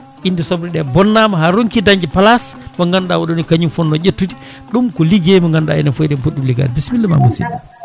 inde soleɗe bonnama ha ronki dañde place mo ganduɗa oɗo ni kañum fonno ƴettude ɗum ko ligguey mo ganduɗa enen foof eɗen pooti ɗum liggade bisimilla ma musidɗo